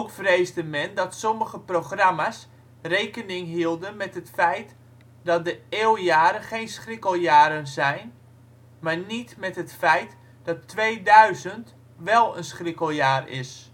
vreesde men dat sommige programma 's rekening hielden met het feit dat de eeuwjaren geen schrikkeljaren zijn, maar niet met het feit dat 2000 wel een schrikkeljaar is